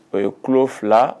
O ye kilo fila